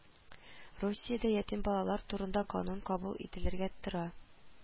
Русиядә Ятим балалар турында канун кабул ителергә тора